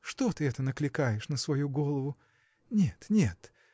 – что ты это накликаешь на свою голову! Нет, нет!